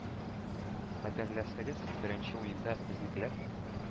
Хәтерләсәгез, беренче уенда безнекеләр